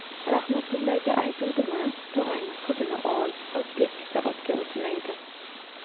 rahmatullaga aytuvdim a tog'angning qizini ol ot tepkisi otga o'tmaydi